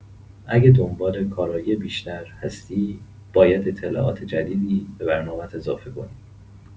اگه دنبال کارایی بیشتر هستی، باید اطلاعات جدیدی به برنامت اضافه کنی.